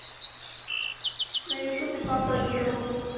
на ютубе и папа роб